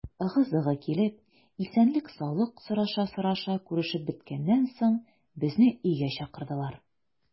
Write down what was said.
Ыгы-зыгы килеп, исәнлек-саулык сораша-сораша күрешеп беткәннән соң, безне өйгә чакырдылар.